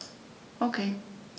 Okay.